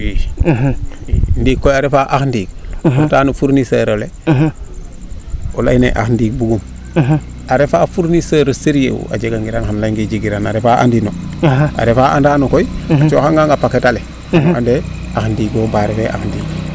i ndikoy a refa ax ndiing ko reta ne fournisseur ole oley ne ax ndiing bugum arefa o fournisseur o serieux u a jega ngiran xana lenge jeginum a refa andino a refa and no koy a coxa ngang a paquet tale o ande ax ndiingo mbaa refe ax ndiing